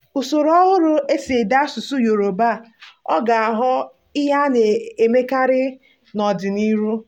Usoro ọhụrụ e si ede asụsụ Yorùbá ọ̀ ga-aghọ ihe a na-emekarị n'ọdịnihu?